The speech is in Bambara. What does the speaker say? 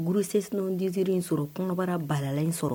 Gursenssinwdise in sɔrɔ kɔnɔbara balala in sɔrɔ